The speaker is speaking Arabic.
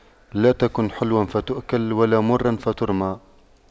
لا تكن حلواً فتؤكل ولا مراً فترمى